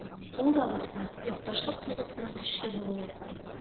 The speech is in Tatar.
Ул да булса— якташлык тойгысының көчле булуы.